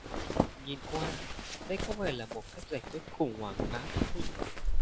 nhìn qua đây có vẻ là một cách giải quyết khủng hoảng khá thông minh